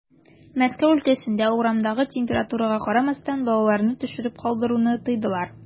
Мәскәү өлкәсендә, урамдагы температурага карамастан, балаларны төшереп калдыруны тыйдылар.